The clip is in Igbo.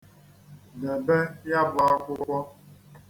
Debe ya bụ akwụkwọ ebe a.